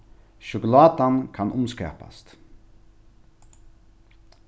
sjokulátan kann umskapast